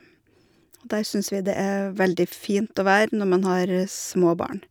Og der syns vi det er veldig fint å være når man har små barn.